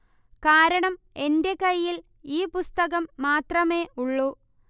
കാരണം എന്റെ കയ്യിൽ ഈ പുസ്തകം മാത്രമേ ഉള്ളൂ